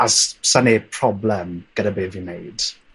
a s- s- problem gyda be' fi'n neud.